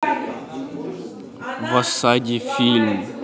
в осаде фильм